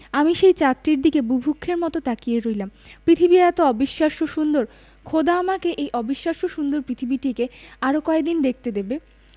আমি সেই চাঁদটির দিকে বুভুক্ষের মতো তাকিয়ে রইলাম পৃথিবী এতো অবিশ্বাস্য সুন্দর খোদা আমাকে এই অবিশ্বাস্য সুন্দর পৃথিবীটিকে আরো কয়দিন দেখতে দেবে